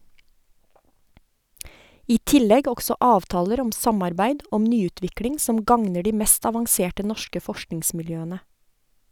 I tillegg også avtaler om samarbeid om nyutvikling som gagner de mest avanserte norske forskningsmiljøene.